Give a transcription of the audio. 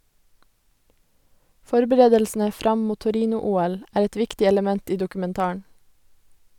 Forberedelsene fram mot Torino-OL er et viktig element i dokumentaren.